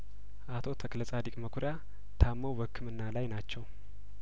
አቶ ተክለጻድቅ መኩሪያታመው በህክምና ላይ ናቸው